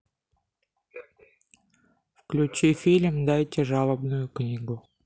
включи фильм дайте жалобную книгу